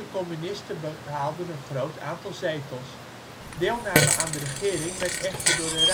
communisten behaalden een groot aantal zetels. Deelname aan de regering werd echter door de